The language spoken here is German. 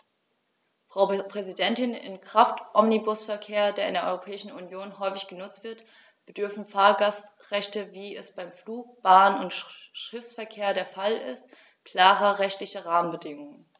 Frau Präsidentin, im Kraftomnibusverkehr, der in der Europäischen Union häufig genutzt wird, bedürfen Fahrgastrechte, wie es beim Flug-, Bahn- und Schiffsverkehr der Fall ist, klarer rechtlicher Rahmenbedingungen.